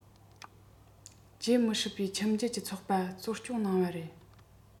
བརྗེད མི སྲིད པའི ཁྱིམ རྒྱུད ཀྱི ཚོགས པ གཙོ སྐྱོང གནང བ རེད